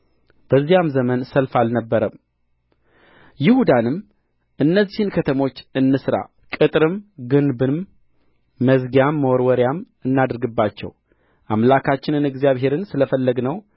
በዚያም ዘመን ሰልፍ አልነበረም ይሁዳንም እነዚህን ከተሞች እንሥራ ቅጥርም ግንብም መዝጊያም መወርወሪያም እናድርግባቸው አምላካችንን እግዚአብሔርን ስለ ፈለግነው